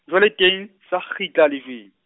jwale teng, sa kgitla, lejweng.